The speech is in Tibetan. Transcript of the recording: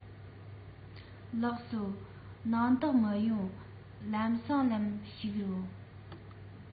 ལགས སོ སྣང དག མི ཡོང ལམ སེང ལན ཞུས ཆོག